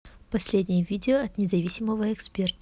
последнее видео от независимого эксперта